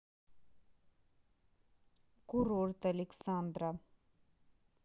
курорт александра